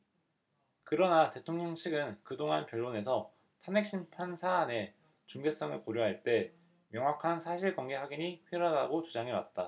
그러나 대통령 측은 그동안 변론에서 탄핵심판 사안의 중대성을 고려할 때 명확한 사실관계 확인이 필요하다고 주장해왔다